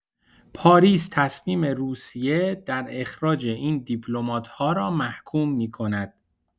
پاریس تصمیم روسیه در اخراج این دیپلمات‌ها را محکوم می‌کند.